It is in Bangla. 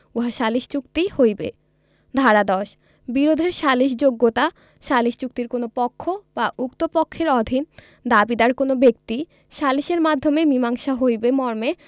উহা সালিস চুক্তি হইবে ধারা ১০ বিরোধের সালিসযোগ্যতাঃ সালিস চুক্তির কোন পক্ষ বা উক্ত পক্ষের অধীন দাবীদার কোন ব্যক্তি সালিসের মাধ্যমে মীসাংসা হইবে মর্মে